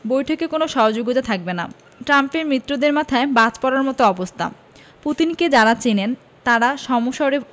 বৈঠকে কোনো সহযোগী থাকবেন না ট্রাম্পের মিত্রদের মাথায় বাজ পড়ার মতো অবস্থা পুতিনকে যাঁরা চেনেন তাঁরা সমস্বরে